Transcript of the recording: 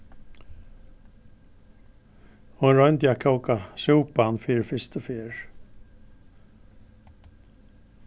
hon royndi at kóka súpan fyri fyrstu ferð